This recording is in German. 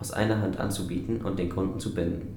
einer Hand anzubieten, um den Kunden zu binden